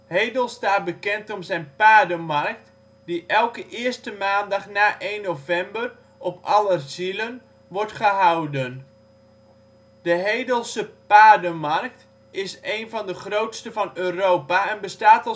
Hedel staat bekend om zijn paardenmarkt die elke 1e maandag na 1 november (Allerzielen) wordt gehouden. De Hedelse Paardenmarkt is een van de grootste van Europa en bestaat